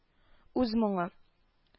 Үз моңы... -